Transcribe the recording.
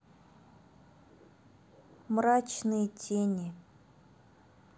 мрачные тени